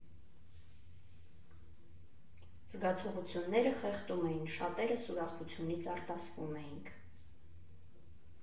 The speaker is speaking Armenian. Զգացողությունները խեղդում էին, շատերս ուրախությունից արտասվում էինք։